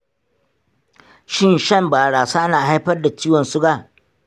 shin shan barasa na haifar da ciwon suga?